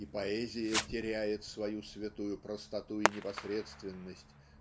и поэзия теряет свою святую простоту и непосредственность